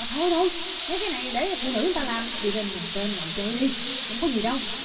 thôi thôi mấy cái này để phụ nữ để người ta làm đi lên nhà trên lầu chơi đi không có gì đâu